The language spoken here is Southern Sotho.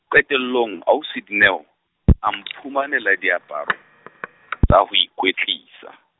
qetellong ausi Dineo , a mphumanela diaparo , tsa ho ikwetlisa.